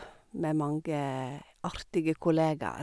Med mange artige kollegaer.